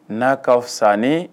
N'a ka fisa ni